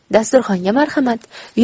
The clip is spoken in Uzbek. dasturxonga marhamat